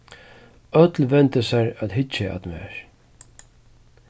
øll vendu sær at hyggja at mær